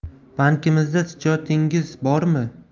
bankimizda schyotingiz bormi